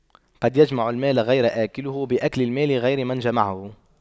قد يجمع المال غير آكله ويأكل المال غير من جمعه